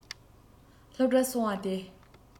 སློབ གྲྭར སོང བ དེ